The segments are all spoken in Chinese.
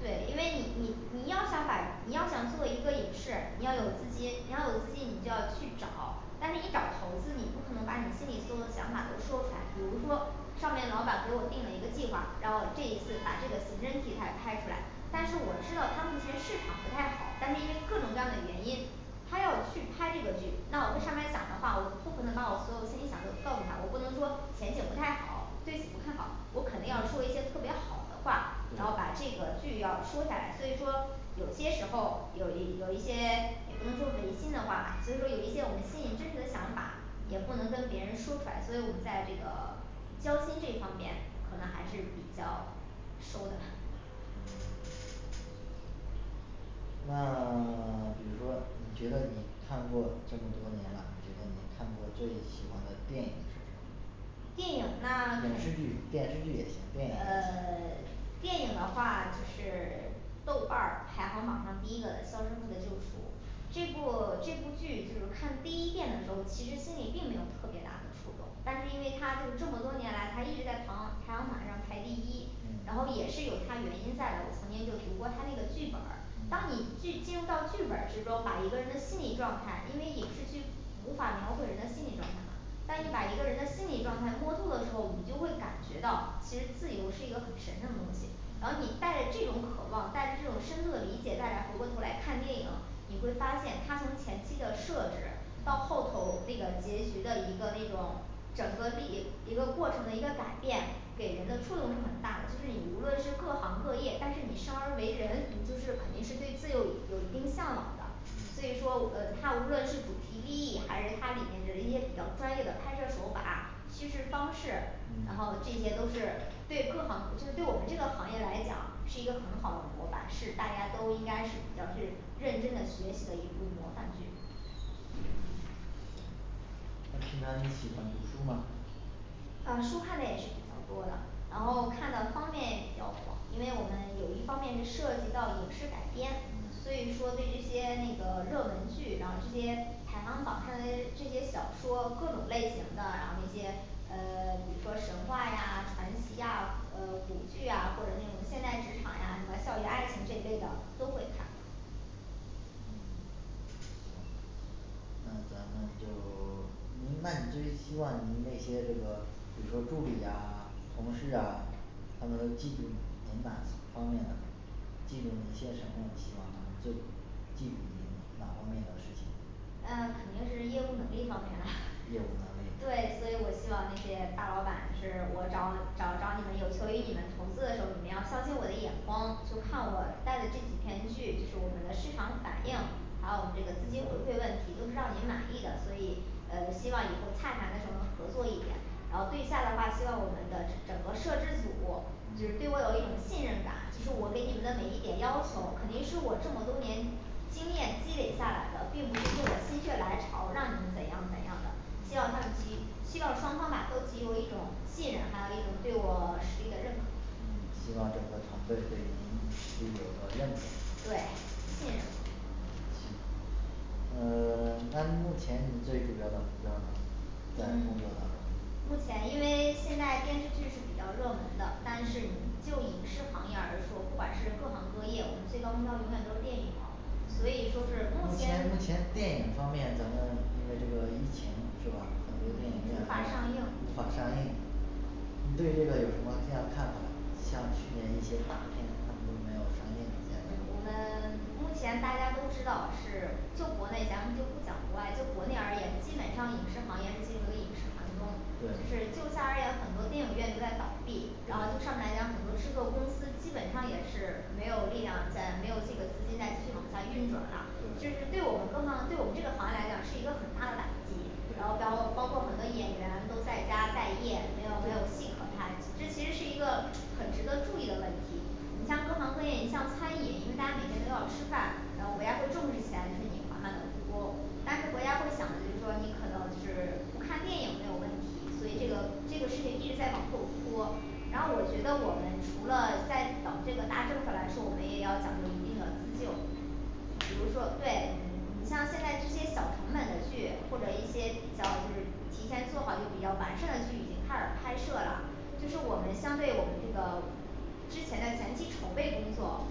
对嗯，因为你你你要想把你要想做一个影视，你要有资金，你要有资金你就要去找，但是你找投资，你不可能把你心里所有的想法都说出来，比如说上面老板给我定了一个计划，让我这一次把这个刑侦题材拍出来但是我知嗯道它目前市场不太好，但是因为各种各样的原因他要去拍这个剧，那我们跟上面儿嗯讲的话，我不可能把我所有心里想的都告诉他，我不能说前景不太好，对此不看好，我肯定要说一些特别好的话，然后把这对个剧要说下来，所以说有些时候儿有一有一些也不能说违心的话，所以说有一些我们心里真实的想法儿也不能跟嗯别人说出来，所以我们在这个交心这方面可能还是比较收的 嗯那 比如说你觉得你看过这么多年了，你觉得你看过最喜欢的电影是什么？电影那，呃 电视剧，电视剧也行，电影也行电影的话就是 豆瓣儿排行榜上第一个的肖申克的救赎这部 这部剧就是看第一遍的时候儿，其实心里并没有特别大的触动但是因为它就是这么多年来，它一直在排行排行榜上排第一，然后嗯也是有它原因在的，我曾经就读过他那个剧本儿，当你嗯去进入到剧本儿，是说把一个人的心理状态，因为影视剧无法描绘人的心理状态嘛当你把一个人的心理状态摸透的时候，你就会感觉到其实自由是一个很神圣的东西，然后你嗯带着这种渴望，带着这种深度的理解，再来回过头儿来看电影，你会发现它从前期的设置到嗯后头儿那个结局的一个那种整个利益 一个过程的一个改变，给人的触动是很大的，就是你无论是各行各业，但是你生而为人你就是肯定是对自由有一定向往的所以嗯说我 呃它无论是主题利益，还是它里面的一些比较专业的拍摄手法儿，叙事方式，然后嗯这些都是对各行就是对我们这个行业来讲是一个很好的模板，是大家都应该是比较是认真的学习的一部模范剧。嗯那平常你喜欢读书吗？呃书看的也是比较多的，然后看的方面也比较广，因为我们有一方面是涉及到影视改编，所嗯以说对这些那个热门剧，然后这些排行榜上的这这些小说儿各种类型的，然后那些呃比如说神话呀传奇呀呃古剧呀或者那种现代职场呀什么校园爱情这一类的都会看嗯，行那咱们就 你明白你最希望你那些这个比如说助理啊同事啊他们都记住你你哪方面的记住你一些什么，希望他们记住记住你哪方面的事情那肯定是业务能力方面啦。 业务能力对，所以我希望那些大老板就是我找找找你们有求于你们投资的时候儿，你们要相信我的眼光就看我嗯带的这几篇剧，是我们的市场反应还有我们这个资金回馈问题都是让您满意的，所以呃希望以后洽谈的时候儿能合作一点，然后对下的话希望我们的整个摄制组就是嗯对我有一种信任感，就是我嗯给你们的每一点要求肯定是我这么多年经验积累下来的，并不是说我心血来潮让你们怎样怎样的，希望他们嗯给予希望双方吧都给予我一种信任，还有一种对我实力的认可，嗯，希望整个团队对您具有责任，对信嗯，信任我行，呃 那目前你最主要的目标儿呢？在工嗯作当中。嗯 目前因为现在电视剧是比较热门的，但是你嗯就以影视行业而说，不管是各行各业，我们最高目标儿永远都是电影儿。所以嗯说是目目前前目，前电影方面，咱们因为这个疫情是吧，很多电影无法上映无法上映你对这个有什么不一样的看法儿？像去年一些大片它们并没有上映之对类我们的目前大家都知道是各国内咱们就不讲国外就国内而言，基本上影视行业是进入了一个影视寒冬，就是对就下而言很多电影院都在倒闭然后就上面儿来讲很多制作公司基本上也是没有力量再没有这个资金再继续往下运转了，这是对对我们说呢对我们这个行业来讲是一个很大的打击，然后再包括很多演员都在家待业，没有没有戏可拍，这其实是嗯一个很值得注意的问题你像各行各业，你像餐饮，因为大家每天都要吃饭，然后国家会重视起来，允许你缓慢的复工，但是国家会想的就是说你可能是不看电影没有问题，所以这个这个事情一直在往后拖然后我觉得我们除了在等这个大政策来说，我们也要讲究一定的自救。比如说对你你像现在这些小成本的剧，或者一些比较就是提前做好就是比较完善的剧已经开始拍摄了，就是我们相对于我们这个之前的前期筹备工作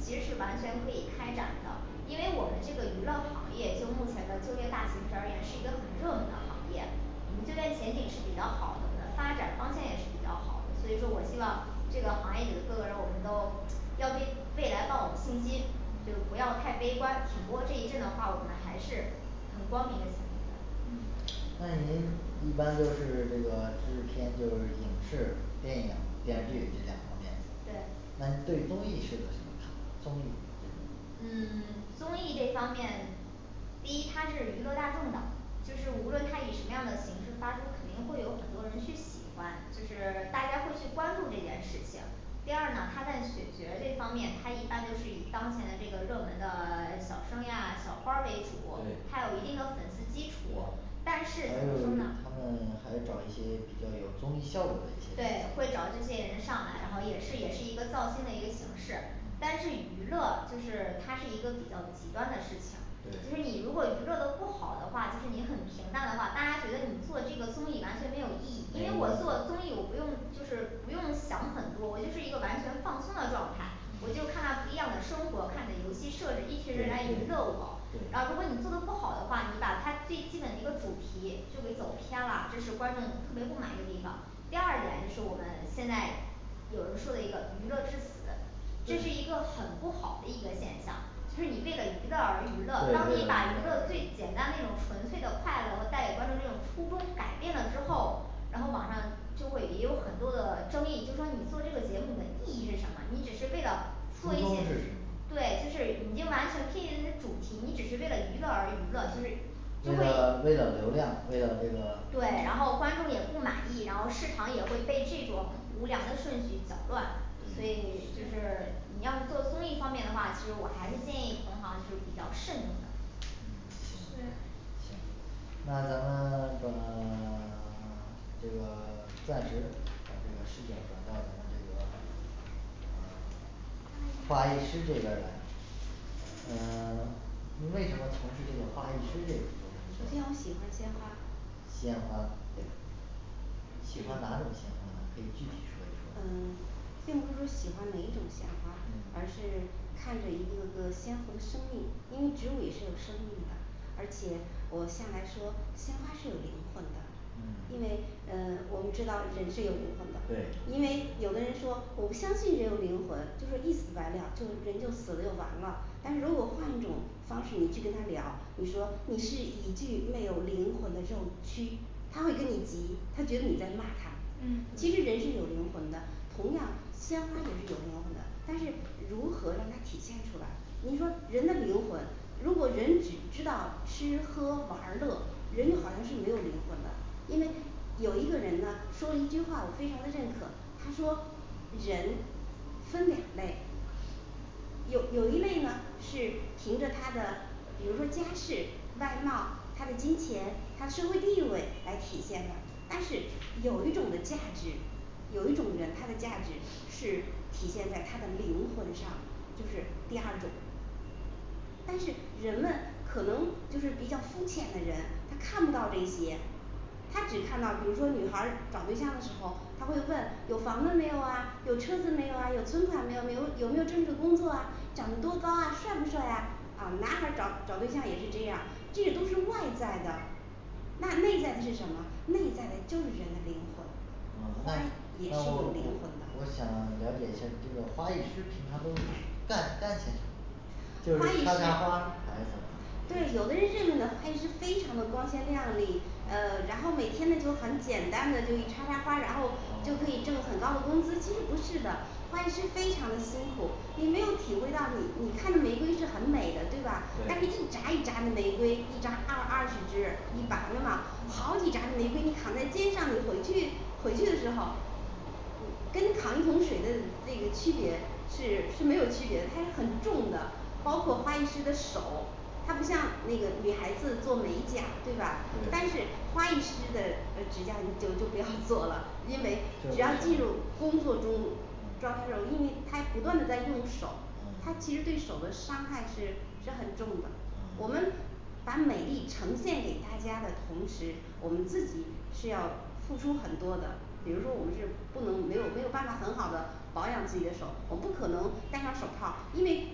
其实是完全可以开展的，因为我们这个娱乐行业就目前的就业大形势而言是一个很热门的行业，我们现在前景是比较好的，发展方向也是比较好的，所以说我希望这个行业里的各个人我们都要对未来抱有信心就是不嗯要太悲观，挺过这一阵的话我们还是很光明的那您一般都是这个制片、就是影视、电影儿、电视剧这两方面，那对，您对于综艺是个什么看法综艺这边儿嗯 综艺这方面第一它是娱乐大众的，就是无论它以嗯什么样的形式发出，肯定会有很多人去喜欢，就是大家会去关注这件事情第二呢他在选角儿这方面，他一般都是以当前的这个热门的小生呀小花儿为主，对他有一定的粉丝基础，嗯但还有是怎么说他呢们，还找一些比较有综艺效果的一些对明会星找这些人上来，然后也是也是一个造新的一个形式但是娱乐就是它是一个比较极端的事情，所以对你如果娱乐的不好的话，就是你很平淡的话，大家觉得你做这个综艺完全没有意义，因没有为意我做综艺我不义用就是不用想很多，我就是一个完全放松的状态，我就嗯看到不一样的生活，看的游戏设备一对群对人来娱乐我然对后如果你做的不好的话，你把它最基本的一个主题就给走偏了，这是观众特别不满意的地方，第二点就是我们现在有人说的一个娱乐至死，这是一对个很不好的一个现象就是你为了娱乐而娱乐，当你把对娱乐对对最简单那种纯粹的快乐和带给观众的这种初衷改变了之后，然后网上就会也有很多的争议，就说你做这个节目的意义是什么？你只是为了初做一衷些是什么，对，就是已经完全偏离了这主题，你只是为了娱乐而娱乐，就是就为了为，为了流量为了这个对，然后观众也不满意，然后市场也会被这种无聊的顺序搅乱，所以嗯就是你要是做综艺方面的话，其实我还是建议同行儿就是比较慎重的。嗯，行行，行那咱们把 这个 暂时把这个视角儿转到咱们这个呃 花艺师这边儿来呃你为什么从事这个花艺师这个首行业先呢我？喜欢鲜花儿鲜花儿鲜花对喜欢哪种鲜花儿呢可以具体说一呃说吗，并不是说喜欢哪一种鲜花儿，而嗯是看着一个个鲜活的生命，因为植物也是有生命的而且我先来说鲜花是有灵魂的，嗯因为呃我们知道人是有灵魂的，对因为有的人说我不相信人有灵魂，就是一死百了就人就死了就完了，但是如果换一种方式你去跟他聊，你说你是一具没有灵魂的肉躯他会跟你急，他觉得你在骂他，其实人是嗯对有灵魂的，同样鲜花也是有灵魂的，但是嗯如何让它体现出来你说人的灵魂，如果人只知道吃喝玩儿乐，人就好像是嗯没有灵魂的，因为有一个人呢说了一句话，我非常的认可，他说人分两类有有一类呢是凭着他的呃比如说家世、外貌，他的金钱，他社会地位来体现的但是有一种的价值，有一种人他的价值是体现在他的灵魂上，就是第二种。但是人们可能就是比较肤浅的人，他看不到这些，她只看到比如说女孩儿找对象的时候，她会问有房子没有啊，有车子没有啊有存款没有，没有有没有正式工作啊长的多高啊，帅不帅呀，啊男孩儿找找对象也是这样，这都是外在的那内在的是什么？ 内在的就是人的灵嗯，魂，那花也，那是有我灵魂的，我想了解一下儿这个花艺师平常都干干些什么就花艺师是插插花儿还是什么对，有的人认为呢花艺师非常的光鲜亮丽，呃然后每天那就很简单就以插插花，然后就嗯可以挣很高的工资，其实不是的花艺师非常的辛苦，你没有体会到你你看着玫瑰是很美的对吧？但是一对扎一扎的玫瑰一扎二二十只一嗯把儿，那么好几扎嗯的玫瑰你扛在肩上，你回去回去时候儿你 跟扛一桶水的那个区别是是没有区别的，它也很重的，包括嗯花艺师的手，它不像那个女孩子做美甲对吧？但对是花艺师的呃指甲你就就不要做了， 因为只要进入工作中，抓它时候儿嗯因为他不断的在用手，他嗯其实对手的伤害是是很重的。 我们嗯把美丽呈现给大家的同时，我们自己是要付出很多的，比如说我们是不能没有没有办法很好的保养自己的手，我不可能戴上手套儿，因为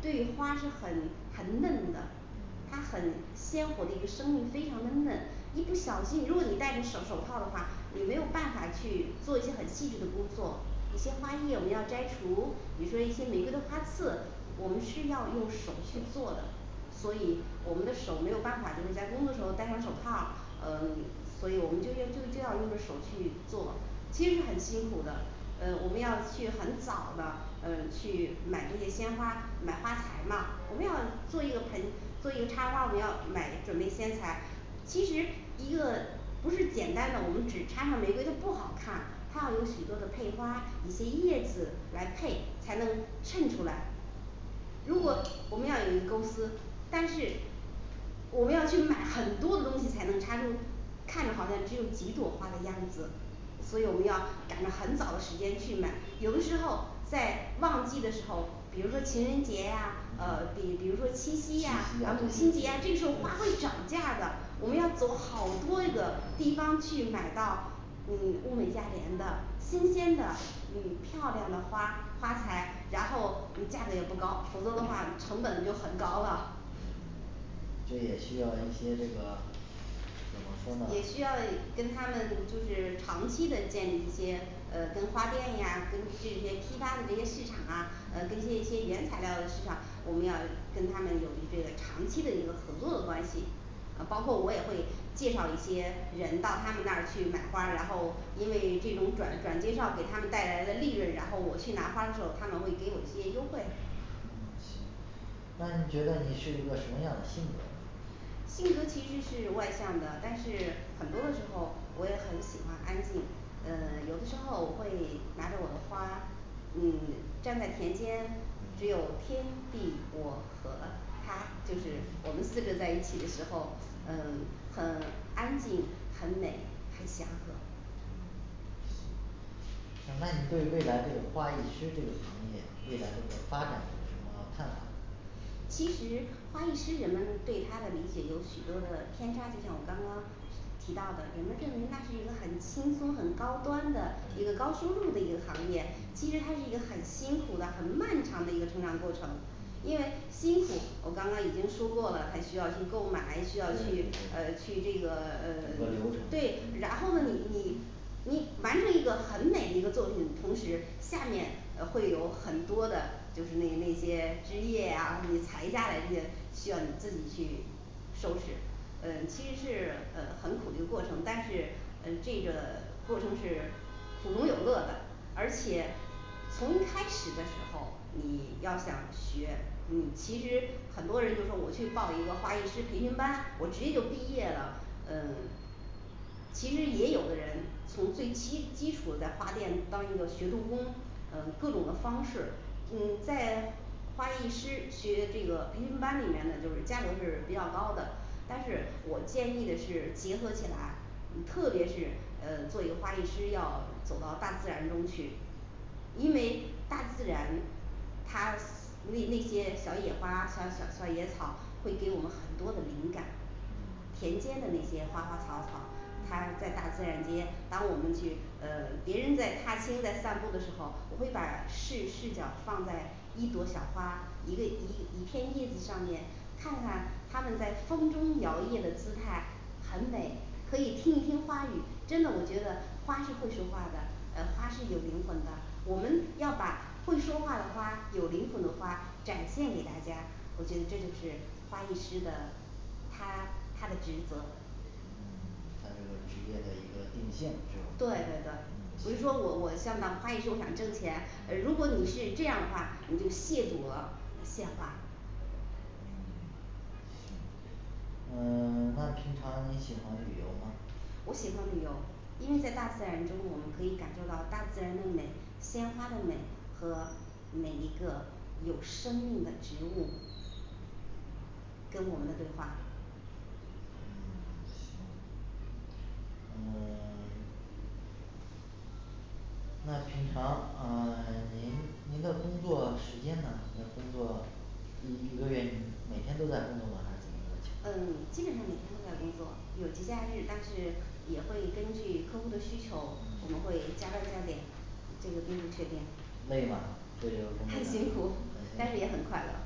对花是很很嫩的他嗯很鲜活的一个生命非常的嫩，一不小心如果你戴着手手套儿的话，你没有办法去做一些很细致的工作，一些花叶我们要摘除，比如说一些玫瑰的花刺，我们是要用手去做的所以我们的手没有办法儿就是在工作的时候儿戴上手套儿，呃所以我们就要就就要用手去做其实是很辛苦的，呃我们要去很早的呃去买这些鲜花儿买花材嘛，我们要做一个盆做一个插花儿，我们要买准备鲜材。其实一个不是简单的，我们只插上玫瑰它不好看，它要有许多的配花儿一些叶子来配才能衬出来如果嗯我们要有一公司，但是我们要去买很多的东西才能插出看着好像只有几朵花的样子所以我们要赶着很早的时间去买，有的时候在旺季的时候，比如说情人节呀，呃嗯比比如说七七夕夕呀呀，，嗯然后春节呀这个时候儿花会涨价的，我们要走好多这个地方去买到嗯，物美价廉的新鲜的嗯，漂亮的花花材，然后嗯价格也不高，否则的话成本就很高了也需要跟他们就是长期的建立一些呃跟花店呀跟这些批发的这些市场啊，跟这一些嗯原材料的市场，我们要跟他们有一这个长期的一个合作的关系呃包括我也会介绍一些人到他们那儿去买花儿，然后因为这种转转介绍给他们带来的利润，然后我去拿花儿的时候儿，他们会给我一些优惠嗯行那你觉得你是一个什么样的性格儿呢？性格其实是外向的，但是很多的时候我也很喜欢安静，呃有的时候我会拿着我的花呃，站在田间，只有嗯天地，我和它就是我们嗯四个在一起的时候，呃很安静，很美是祥和嗯嗯那你对未来这个花艺师这个行业未来这个发展有什么看法其实花艺师人们对它的理解有许多的偏差，就像我刚刚提到的，人们认为那是一个很轻松很高端的一个高收嗯入的一个行业，其实它是一个很辛苦的很漫长的一个成长过程。因为嗯辛苦我刚刚已经说过了，他需要去购买，需要对对对，整个流程去呃去这个呃，对，然后呢你你你完成一个很美的一个作品，同时下面呃会有很多的就是那那些枝叶呀你裁下来这些需要你自己去收拾，呃其实是呃很苦的一个过程，但是呃这个 过程是苦中有乐的，而且从一开始的时候你要想学，你其实很多人就说我去报一个花艺师培训班，我直接就毕业了。呃 其实也有的人从最基基础在花店当一个学徒工，呃各种的方式嗯 在花艺师学这个培训班里面的就是价格是比较高的，但是我建议的是结合起来，嗯特别是呃做一个花艺师要走到大自然中去因为大自然它那那些小野花儿小小小野草儿会给我们很多的灵感，嗯田间的那些花花草草，它在嗯大自然间，当我们去呃别人在踏青在散步的时候，我会把视视角儿放在一朵小花，一味一一片叶子上面看看它们在风中摇曳的姿态很美，可以听一听花语，真的我觉得花是会说话的，呃花是有灵魂的，我们要把会说话的花有灵魂的花展现给大家，我觉得这就是花艺师的他他的职责嗯，，他对这个职业的一个定性是吧？对对嗯，不是嗯说我我想当花艺师我想挣钱，呃如果你嗯是这样的话，你就亵渎了鲜花，嗯 行呃 那平常你喜欢旅游吗？我喜欢旅游，因为在大自然中我们可以感受到大自然的美，鲜花的美和每一个有生命的植物跟我们的对话嗯，行那 那平常呃您您的工作时间呢，您的工作一一个月每天都在工作吗还是怎么个情况嗯，基本上每天都在工作，有节假日，但是也会根据客户儿的需求，我们嗯会加班加点，这个并不确定累吗，对这个工作，感很很辛辛苦苦，，但是也很快乐。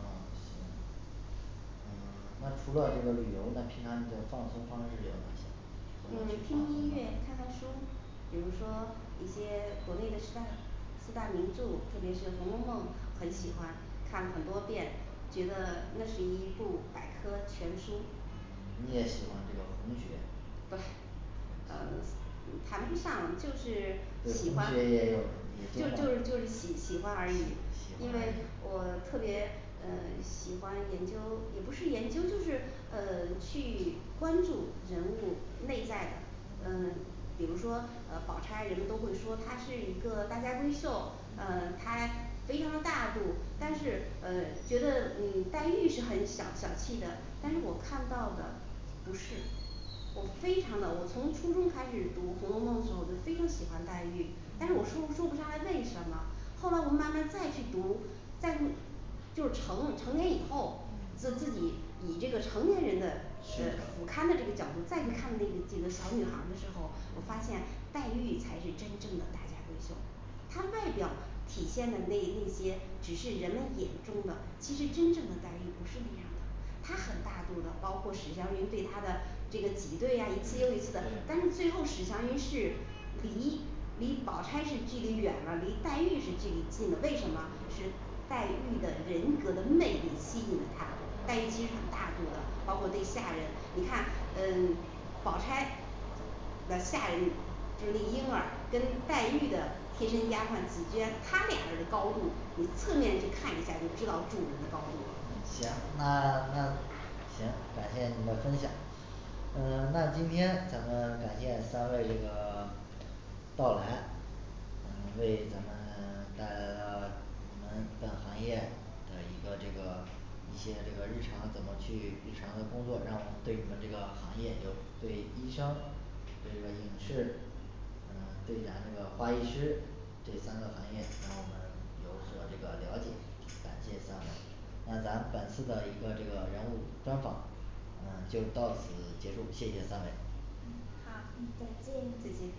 嗯行嗯 那除了这个旅游呢平常你的放松方式有哪些呢，怎么嗯听音乐去、看看放松呢书，比如说一些国内的四大四大名着，特别是红楼梦很喜欢嗯看了很多遍，觉得那是一部百科全书嗯你也喜欢这个红雪对呃嗯谈不上就是喜欢，就就就是喜喜欢而已喜，因欢而为已我特别呃喜欢研究，也不是研究就是呃去关注人物内在的呃，嗯比如说呃宝钗人们都会说她是一个大家闺秀，呃嗯她非常的大度，但是嗯呃觉得嗯黛玉是很小小气的，但是我看的不是我非常的我从初中开始读红楼梦的时候就非常喜欢黛玉，但是我说说不嗯上来，为什么？后来我慢慢再去读再去就是成成年以后自嗯自己以这个成年人的视呃俯角瞰的这个角度再去看那几个小女孩儿的时候儿，我发嗯现黛玉才是真正的大家闺秀。她外表体现的那那些只是人们眼中的，其实真正的黛玉不是那样的，她很大度的，包括史湘云对她的这个挤兑呀一次又一次的，嗯对但是最后史湘云是离离宝钗是距离远了，离黛玉是距离近了，为什么？是黛玉的人格的魅力吸引了他？黛玉其实嗯很大度的，包括对下人，你看呃宝钗呃下人，就是那樱儿跟黛玉的贴身丫鬟紫鹃他俩人儿高度，你侧面儿去看一下儿就知道主人的高度嗯，了行，那那，行，感谢您的分享。那那今天咱们感谢三位这个 到来嗯 为咱们带来了我们本行业呃一个这个一些这个日常怎么去日常的工作然后对你们这个行业有对医生对那影视，嗯对咱这个花艺师这三个行业让我们有所这个了解。感谢三位那咱们本次的一个这个人物专访呃就到此结束，谢谢三位嗯，嗯好再再见见。